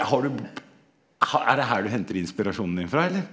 har du er det her du henter inspirasjonen din fra, eller?